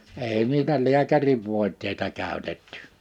ei niitä lääkärin voiteita käytetty